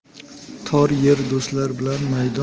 tor yer do'stlar bilan maydon